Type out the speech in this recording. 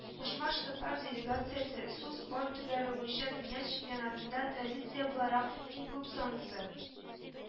Кушма Штатлар делегациясе су спорт төрләре буенча дөнья чемпионатында традиция буларак, иң күп санлысы